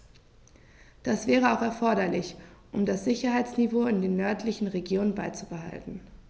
Das wäre auch erforderlich, um das Sicherheitsniveau in den nördlichen Regionen beizubehalten.